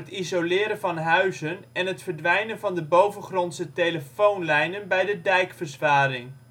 isoleren van huizen en het verdwijnen van de bovengrondse telefoonlijnen bij de dijkverzwaring